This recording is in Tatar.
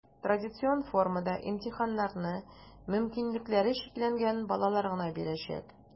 Традицион формада имтиханнарны мөмкинлекләре чикләнгән балалар гына бирәчәк.